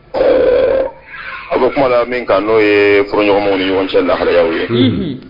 Ɛɛ a bɛ kuma la min n'o ye fɲɔgɔnw ni ɲɔgɔn cɛ lahayaw ye